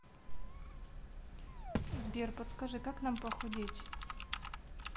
сбер подскажи как нам похудеть